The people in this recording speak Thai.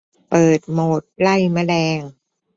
เปิดโหมดไล่แมลง